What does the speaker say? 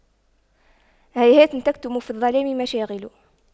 هيهات تكتم في الظلام مشاعل